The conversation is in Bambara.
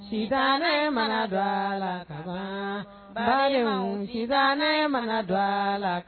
Sisan ne mana dɔgɔ la ba ne mana dɔgɔ la